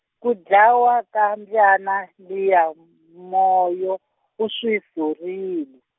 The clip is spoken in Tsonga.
ku dlawa ka mbyana liya m-, Moyo, u swi sorile.